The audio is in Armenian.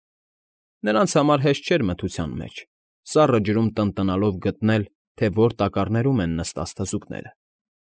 Նրանց համար հեշտ չէր մթության մեջ, սառը ջրում տնտնալով գտնել, թե որ տակառներում են նստած թզուկները։